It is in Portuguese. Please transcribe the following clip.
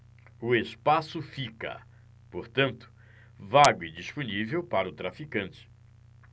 o espaço fica portanto vago e disponível para o traficante